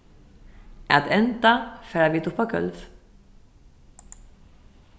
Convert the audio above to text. at enda fara vit upp á gólv